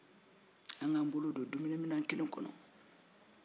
an k'an bolo don dumuniminɛn kelen kɔnɔ